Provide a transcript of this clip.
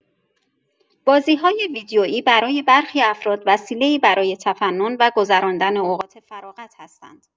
بازی‌های ویدیویی برای برخی افراد وسیله‌ای برای تفنن و گذراندن اوقات فراغت هستند.